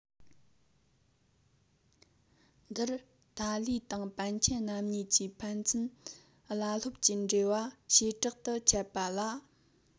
འདིར ཏཱ ལའི དང པཎ ཆེན རྣམ གཉིས ཀྱི ཕན ཚུན བླ སློབ ཀྱི འབྲེལ བ བྱེ བྲག ཏུ འཆད པ ལ